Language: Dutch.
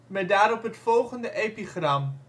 met daarop het volgende epigram